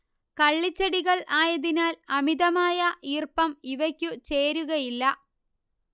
കള്ളിച്ചെടികൾ ആയതിനാൽ അമിതമായ ഈർപ്പം ഇവക്കു ചേരുകയില്ല